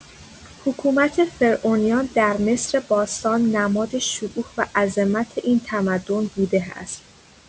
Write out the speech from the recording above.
حکومت فرعونیان در مصر باستان، نماد شکوه و عظمت این تمدن بوده است.